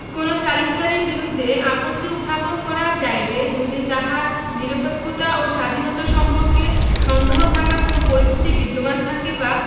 কোন সালিসকারীর বিরুদ্ধে আপত্তি উত্থাপন করা যাইবে যদি তাহার নিরপেক্ষতা ও স্বাধীনতা সম্পর্কে সন্দেহ থাকার কোন পরিস্থিতি বিদ্যমান থাকে বা